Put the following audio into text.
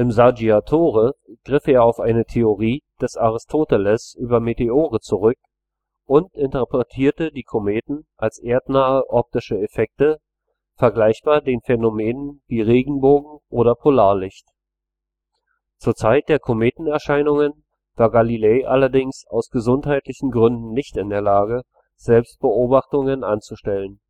Saggiatore griff er auf eine Theorie des Aristoteles über Meteore zurück und interpretierte die Kometen als erdnahe optische Effekte, vergleichbar den Phänomenen wie Regenbogen oder Polarlicht. Zur Zeit der Kometenerscheinungen war Galilei allerdings aus gesundheitlichen Gründen nicht in der Lage, selbst Beobachtungen anzustellen